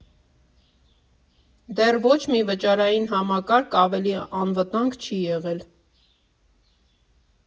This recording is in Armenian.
Դեռ ոչ մի վճարային համակարգ ավելի անվտանգ չի եղել։